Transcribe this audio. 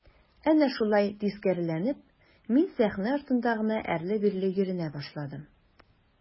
Әнә шулай тискәреләнеп мин сәхнә артында гына әрле-бирле йөренә башладым.